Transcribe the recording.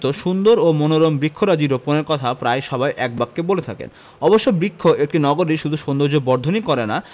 সুন্দর ও মনোরম বৃক্ষরাজি রোপণের কথা প্রায় সবাই একবাক্যে বলে থাকেন অবশ্য বৃক্ষ একটি নগরীর শুধু সৌন্দর্যবর্ধনই করে না